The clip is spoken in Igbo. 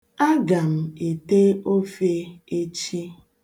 Aga m ete ofe echi.